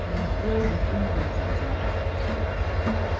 tað er eitt øgiligt illveður í dag